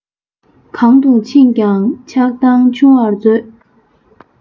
གང དུ ཕྱིན ཀྱང ཆགས སྡང ཆུང བར མཛོད